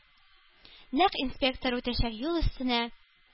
Нәкъ инспектор үтәчәк юл өстенә